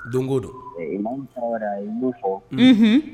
Doŋo don ɛ imam Traore a ye min fɔ unhun